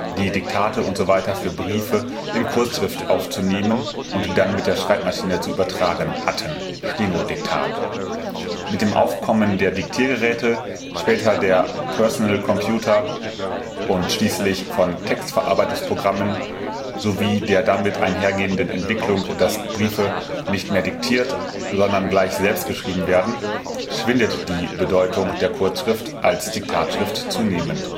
die Diktate usw. für Briefe in Kurzschrift aufzunehmen und dann mit der Schreibmaschine zu übertragen hatten (" Steno-Diktat "). Mit dem Aufkommen der Diktiergeräte, später der Personal Computer und schließlich von Textverarbeitungsprogrammen sowie der damit einhergehenden Entwicklung, dass Briefe nicht mehr diktiert, sondern gleich selbst geschrieben werden, schwindet die Bedeutung der Kurzschrift als Diktatschrift zunehmend